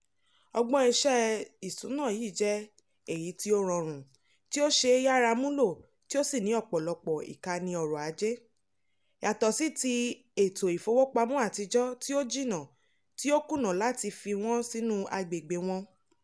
Ọgbọ́n iṣẹ́ ìsúná yìí jẹ́ èyí tí ó rọrùn, tí ó ṣeé yàrá múlò tí ó sì ní ọ̀pọ̀lọpọ̀ ìkànnì ọrọ̀ ajé, yàtọ̀ sí ti ètò ìfowópamọ́ àtijọ́ tí ó 'jìnà' tí ó kùnà láti fi wọ́n sínú agbègbè wọn.